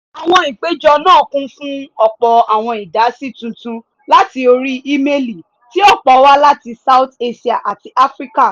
Àwọn ìpèjọ náà kún fún ọ̀pọ̀ àwọn ìdásí tuntun láti orí ímeèlì, tí ọ̀pọ̀ wá láti South Asia àti Africa.